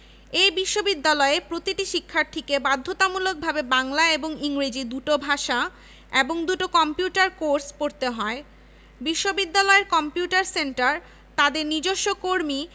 এই বিশ্ববিদ্যালয়ে প্রতিটি শিক্ষার্থীকে বাধ্যতামূলকভাবে বাংলা এবং ইংরেজি দুটো ভাষা এবং দুটো কম্পিউটার কোর্স পড়তে হয় বিশ্ববিদ্যালয়ের কম্পিউটার সেন্টার তাদের নিজস্ব কর্মী